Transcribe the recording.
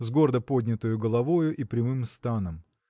с гордо поднятою головою и прямым станом.